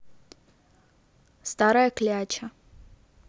старая кляча